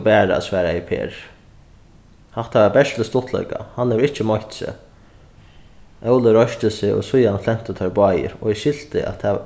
bara svaraði per hatta var bert til stuttleika hann hevur ikki meitt seg óli reisti seg og síðani flentu teir báðir og eg skilti at tað